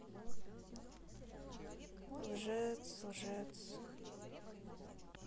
лжец лжец